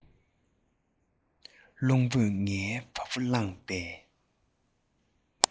རླུང བུས ངའི བ སྤུ བསླངས པས